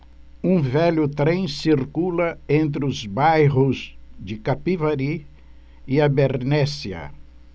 um velho trem circula entre os bairros de capivari e abernéssia